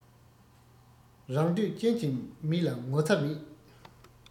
རང འདོད ཅན གྱི མི ལ ངོ ཚ མེད